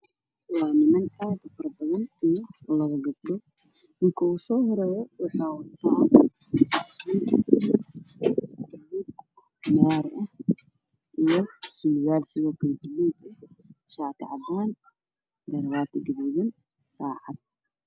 Waa niman aada u fara badan waxaa ka dambeeyo ninka ugu soo horreeyo wuxuu wataa sharcdaan ah koofi madow ah